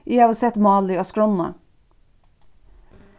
eg havi sett málið á skránna